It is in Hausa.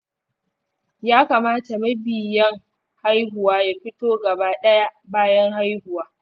yakamata mabiyyan haihuwa ya fito gaba ɗaya bayan haihuwa